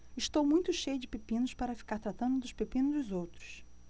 estou muito cheio de pepinos para ficar tratando dos pepinos dos outros